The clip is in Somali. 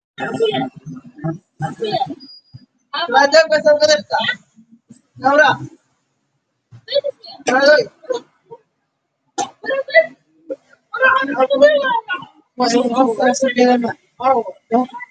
Waa katiinad oo boombal suran midabkeeda waa dahabi